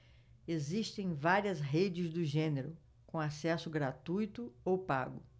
existem várias redes do gênero com acesso gratuito ou pago